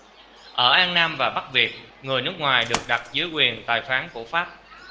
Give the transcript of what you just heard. ở an nam và bắc việt người nước ngoài được đặt dưới quyền tài phán của pháp